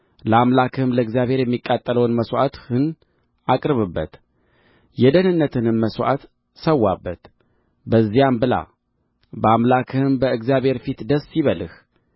ለአምላክም ለእግዚአብሔር የሚቃጠለውን መሥዋዕትህን አቅርብበት የደኅንነትም መሥዋዕት ሠዋበት በዚያም ብላ በአምላክህም በእግዚአብሔር ፊት ደስ ይበልህ